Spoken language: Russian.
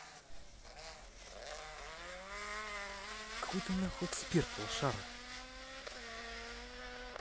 какой ты нахуй эксперт лошара